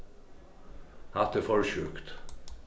hatta er for sjúkt